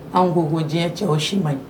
Anw ko ko diɲɛ cɛw si ma ɲi.